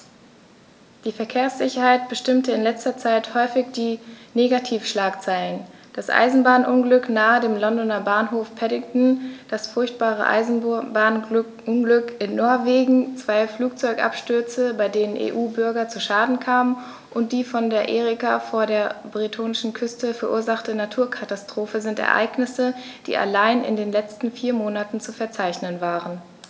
Die Verkehrssicherheit bestimmte in letzter Zeit häufig die Negativschlagzeilen: Das Eisenbahnunglück nahe dem Londoner Bahnhof Paddington, das furchtbare Eisenbahnunglück in Norwegen, zwei Flugzeugabstürze, bei denen EU-Bürger zu Schaden kamen, und die von der Erika vor der bretonischen Küste verursachte Naturkatastrophe sind Ereignisse, die allein in den letzten vier Monaten zu verzeichnen waren.